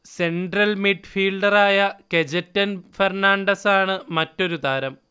central മിഡ്ഫീൽഡറായ കെജെറ്റൻ ഫെർണാണ്ടസാണ് മറ്റൊരു താരം